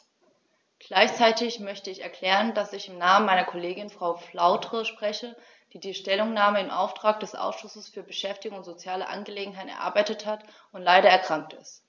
Gleichzeitig möchte ich erklären, dass ich im Namen meiner Kollegin Frau Flautre spreche, die die Stellungnahme im Auftrag des Ausschusses für Beschäftigung und soziale Angelegenheiten erarbeitet hat und leider erkrankt ist.